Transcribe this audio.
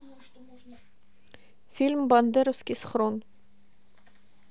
фильм бандеровский схрон